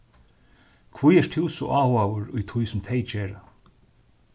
hví ert tú so áhugaður í tí sum tey gera